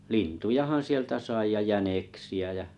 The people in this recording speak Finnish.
lintujahan sieltä sai ja jäniksiä ja